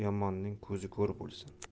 yomonning ko'zi ko'r bo'lsin